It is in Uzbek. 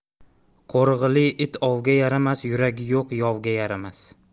qorg'ili it ovga yaramas yuragi yo'q yovga yaramas